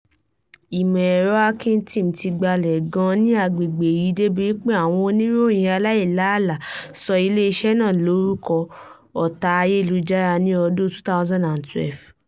Ìmọ̀ ẹ̀rọ Hacking Team ti gbalẹ̀ gan-an ní agbègbè yìí débi wípé àwọn Oníròyìn Aláìláàlà sọ ilé iṣẹ́ náà lórúkọ "Ọ̀tá Ayélujára" ní ọdún 2012.